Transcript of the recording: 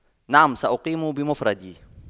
نعم سأقيم بمفردي